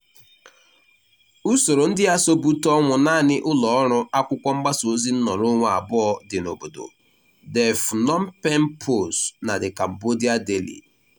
Usoro ndị a so bute ọnwụ naanị ụlọ ọrụ akwụkwọ mgbasaozi nnọọrọ onwe abụọ dị n'obodo ---The Phnom Pehn Post na The Cambodia Daily.